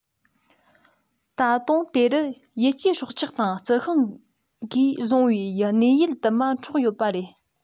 ད དུང དེ རུ ཡུལ སྐྱེས སྲོག ཆགས དང རྩི ཤིང གིས བཟུང བའི གནས ཡུལ དུ མ འཕྲོག ཡོད པ རེད